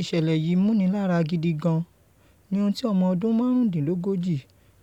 “Ìṣẹ̀lẹ̀ yìí múnilára gidi gan” ni ohun tí ọmọ ọdún márùndínlógójì